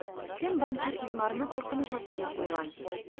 Кем банкир Илмарны куркыныч астына куйган?